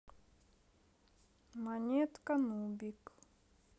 монетка нубик